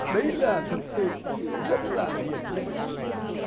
đấy là thực sự rất là hiển nhiên hàng ngày chúng tôi gặp